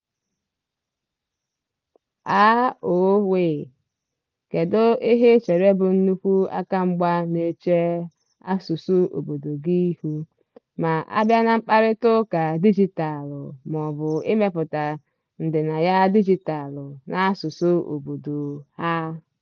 (AOY): Kedu ihe i chere bụ nnukwu akamgba na-eche asụsụ obodo gị ihu ma a bịa na mkparịtaụka dijitaalụ maọbụ imepụta ndịnaya dijitaalụ n'asụsụ obodo ha?